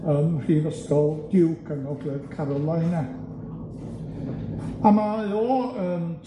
ym Mhrifysgol Duke yng Ngogledd Carolina, a mae o yn